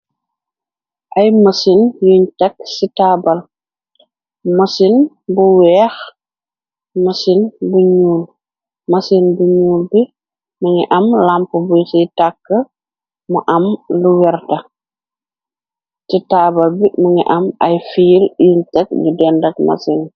Ay mësin yuñ tekk ci taabal masin bu weex mësin bu ñuul masin bu ñuul bi mangi am lamp buy ci tàkk mu am lu werta ci taabal bi mangi am ay fiil yuñ tek yu dendak masin.